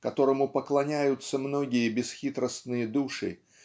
которому поклоняются многие бесхитростные души